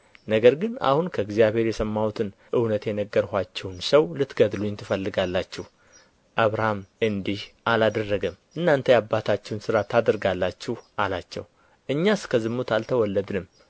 ነገር ግን አሁን ከእግዚእብሔር የሰማሁትን እውነት የነገርኋችሁን ሰው ልትገድሉኝ ትፈልጋላችሁ አብርሃም እንዲህ አላደረገም እናንተ የአባታችሁን ሥራ ታደርጋላችሁ አላቸው እኛስ ከዝሙት አልተወለድንም